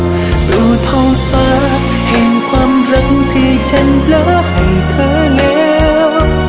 nhìn trên cao khoảng trời yêu mà anh lỡ dành cho em